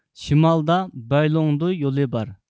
شىمالدا بەيلوڭدۇي يولى بار